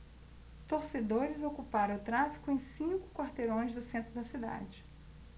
torcedores ocuparam o tráfego em cinco quarteirões do centro da cidade